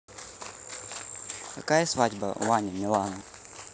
какая свадьба ваня милана